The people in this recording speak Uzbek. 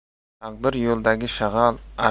taqir yo'ldagi shag'al